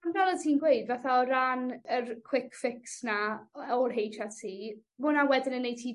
Ond fel o' ti'n dweud fatha o ran yr quick fix 'na yy o'r Heitch Are Tee ma' wnna wedyn yn neud ti